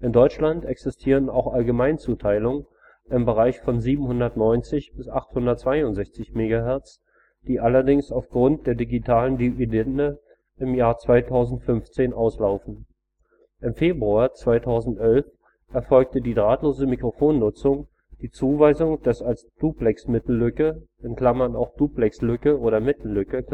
Deutschland existieren auch Allgemeinzuteilungen im Bereich von 790 bis 862 MHz, die allerdings aufgrund der Digitalen Dividende im Jahre 2015 auslaufen. Im Februar 2011 erfolgte für die drahtlose Mikrofonnutzung die Zuweisung des als Duplexmittenlücke (auch Duplexlücke oder Mittenlücke